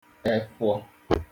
efụọ